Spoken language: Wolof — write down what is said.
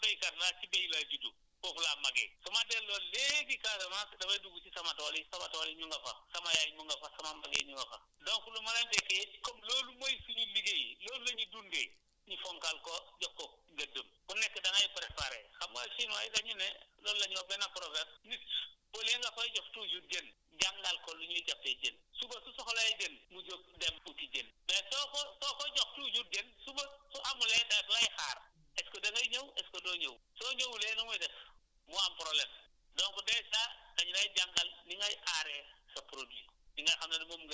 ah en tout cas daal lu may tënkee mooy lu may wax toujours parce que man béykat laa si béy laa juddoo foofu laa màggee su ma delloo léegi Casamance damay dugg si sama tool yi sama tool yi ñu nga fa sama yaay mu nga fa sama mbay yi ñu nga fa donc lu ma leen di kii comme loolu mooy suñu liggéey loolu la ñuy dundee ñu fonkaat ko jox ko gëddam ku nekk da ngay préparer xam nga chinois yi dañuy ne loolu la ñuy wax benn proverbe nit au lieu nga koy jox toujours jën jàngal ko nu ñuy jàppee jën suba su soxlawee jën mu jóg dem uti jën te soo ko soo koy jox toujours jën suba su amulee daf lay xaar est ce que da ngay ñëw est ce que doo ñëw soo ñëwulee nu muy def mu am problème